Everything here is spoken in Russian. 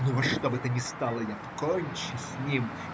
Но во что бы то ни стало я покончу с ним.